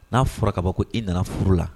N'a fɔra ka bɔ ko i nana furu la